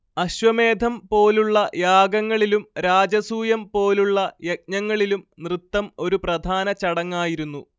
അശ്വമേധം പോലുള്ള യാഗങ്ങളിലും രാജസൂയം പോലുള്ള യജ്ഞങ്ങളിലും നൃത്തം ഒരു പ്രധാന ചടങ്ങായിരുന്നു